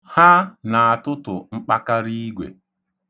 Ha na-atụtụ mkpakariigwe.